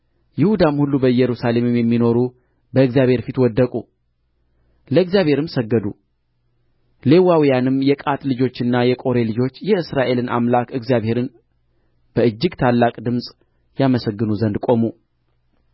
ይሁዳም ሁሉ በኢየሩሳሌምም የሚኖሩ በእግዚአብሔር ፊት ወደቁ ለእግዚአብሔርም ሰገዱ ሌዋውያንም የቀዓት ልጆችና የቆሬ ልጆች የእስራኤልን አምላክ እግዚአብሔርን በእጅግ ታላቅ ድምፅ ያመሰገኑት ዘንድ ቆሙ